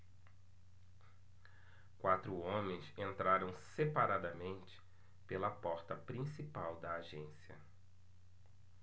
quatro homens entraram separadamente pela porta principal da agência